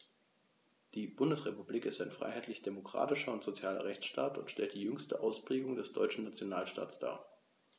Die Bundesrepublik ist ein freiheitlich-demokratischer und sozialer Rechtsstaat und stellt die jüngste Ausprägung des deutschen Nationalstaates dar.